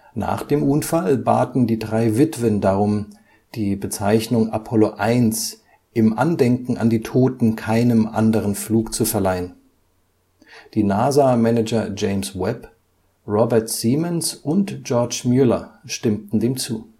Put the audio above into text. Nach dem Unfall baten die drei Witwen darum, die Bezeichnung „ Apollo 1 “im Andenken an die Toten keinem anderen Flug zu verleihen. Die NASA-Manager James E. Webb, Robert Seamans und George E. Mueller stimmten dem zu